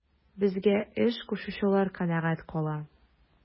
Безгә эш кушучылар канәгать кала.